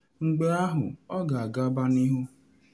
Mgbe ahụ ọ ga-agaba n’ihu.